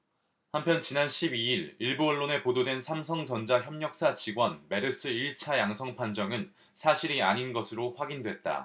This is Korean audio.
한편 지난 십 이 일 일부 언론에 보도된 삼성전자 협력사 직원 메르스 일 차 양성판정은 사실이 아닌 것으로 확인됐다